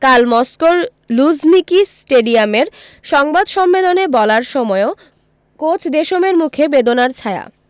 কাল মস্কোর লুঝনিকি স্টেডিয়ামের সংবাদ সম্মেলনে বলার সময়ও কোচ দেশমের মুখে বেদনার ছায়া